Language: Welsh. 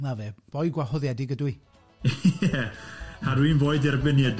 Na fe, boi gwahoddiedig ydw i. Ie, a dwi'n boi derbyniedig.